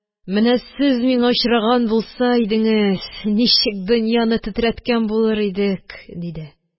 Менә сез миңа очраган булса идеңез, ничек дөньяны тетрәткән булыр идек, – диде...